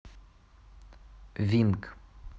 винг